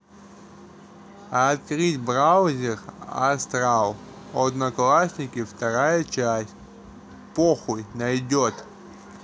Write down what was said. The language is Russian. открыть браузер астрал одноклассники вторая часть похуй найдет